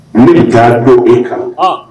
Ne bɛ taa don o kan